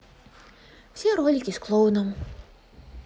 все ролики с клоуном